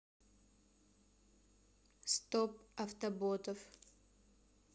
стоп автоботов